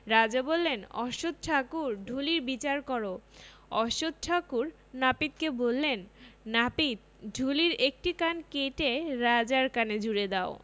রাজা বললেন অশ্বত্থ ঠাকুর ঢুলির বিচার কর অশ্বত্থ ঠাকুর নাপিতকে বললেন নাপিত ঢুলির একটি কান কেটে রাজার কানে জুড়ে দাও